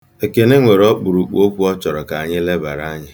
Ekene nwere ọkpụrụkpụ okwu ọ chọrọ ka anyị lebere anya.